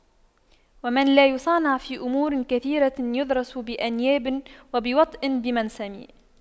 ومن لا يصانع في أمور كثيرة يضرس بأنياب ويوطأ بمنسم